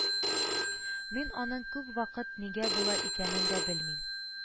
Мин аның күп вакыт нигә болай икәнен дә белмим